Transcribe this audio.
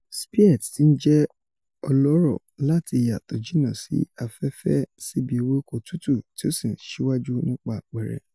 Spieth ti ńjẹ́ olóró láti ìhà tójìnnà sí afẹ́fẹ́ síbi ewéko tútù tí o sì ńsíwájú nípa àpẹẹrẹ.